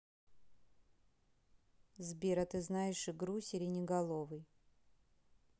сбер а ты знаешь игру сиреноголовый